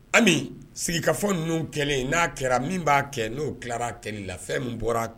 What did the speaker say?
Sigikafɔ ninnu kɛlen n'a kɛra min b'a kɛ n'o tila kɛlɛ lafɛn min bɔra